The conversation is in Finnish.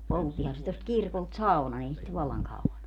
polttihan se tuosta kirkolta saunan ei siitä vallan kauan ole